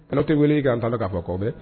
N tɛ wuli ka kan ta k'a fɔ kɔbɛn